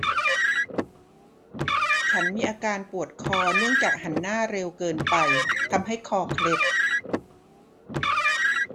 ฉันมีอาการปวดคอเนื่องจากหันหน้าเร็วเกินไปทำให้คอเคล็ด